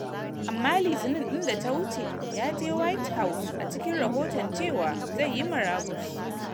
Amma Litinin din da ta wuce ya je White House, a cikin rahoton cewa zai yi marabus.